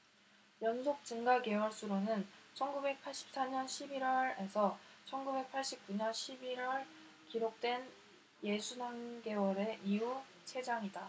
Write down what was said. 연속 증가 개월 수로는 천 구백 팔십 사 년 십 일 월 에서 천 구백 팔십 구 년 십 일 월 기록된 예순 한 개월 이후 최장이다